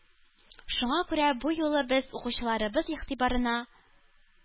Шуңа күрә бу юлы без укучыларыбыз игътибарына